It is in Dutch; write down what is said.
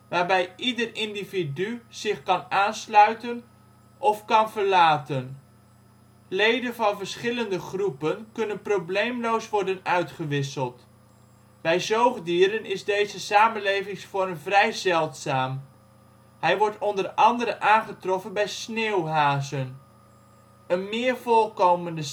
waarbij ieder individu zich kan aansluiten of kan verlaten. Leden van verschillende groepen kunnen probleemloos worden uitgewisseld. Bij zoogdieren is deze samenlevingsvorm vrij zeldzaam. Hij wordt onder andere aangetroffen bij sneeuwhazen. Een meer voorkomende